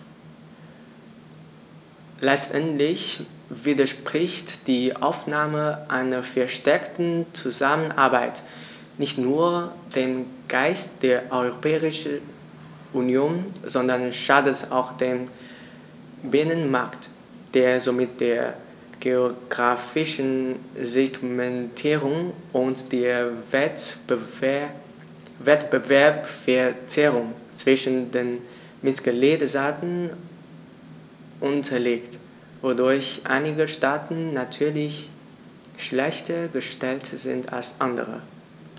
Letztendlich widerspricht die Aufnahme einer verstärkten Zusammenarbeit nicht nur dem Geist der Europäischen Union, sondern schadet auch dem Binnenmarkt, der somit der geographischen Segmentierung und der Wettbewerbsverzerrung zwischen den Mitgliedstaaten unterliegt, wodurch einige Staaten natürlich schlechter gestellt sind als andere.